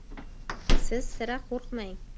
siz sira qo'rqmang